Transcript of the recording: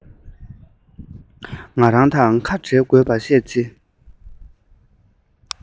ང དང ཁ འབྲལ དགོས པ ཤེས ཚེ